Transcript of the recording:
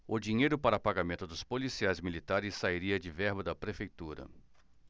o dinheiro para pagamento dos policiais militares sairia de verba da prefeitura